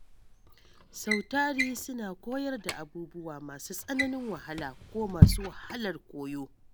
Sautari suna koyar da abubuwa masu tsananin wahala ko masu wahalar koyo.